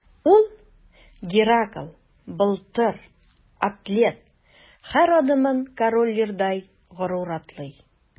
Ул – Геракл, Былтыр, атлет – һәр адымын Король Лирдай горур атлый.